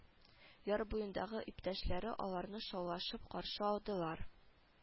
Яр буендагы иптәшләре аларны шаулашып каршы алдылар